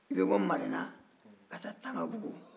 i bɛ bɔ marena ka taa tangabugu